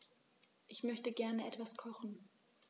Ich möchte gerne etwas kochen.